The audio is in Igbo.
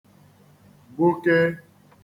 gbuke